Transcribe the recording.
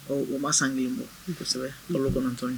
Ɔ o ma san kelen bɔ kosɛbɛ balo kɔnɔntɔn ye